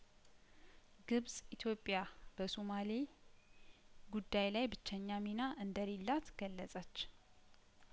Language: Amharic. ግብጽ ኢትዮጵያ በሱማሌ ጉዳይ ላይ ብቸኛ ሚና እንደሌላት ገለጸች